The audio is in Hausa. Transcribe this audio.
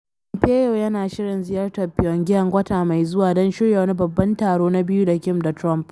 Pompeo yana shirin ziyartar Pyongyang wata mai zuwa don shirya wani babban taro na biyu da Kim da Trump.